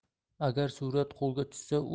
agar surat qo'lga tushsa